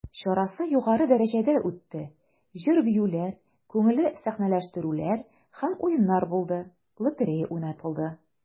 Чарасы югары дәрәҗәдә үтте, җыр-биюләр, күңелле сәхнәләштерүләр һәм уеннар булды, лотерея уйнатылды.